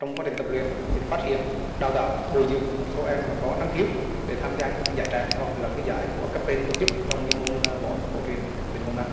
trong quá trình tập luyện thì phát hiện đào tạo bồi dưỡng một số em mà có năng khiếu để tham gia các giải trẻ hoặc là cái giải của cấp trên tổ chức trong cái môn võ cổ truyền của tỉnh quảng nam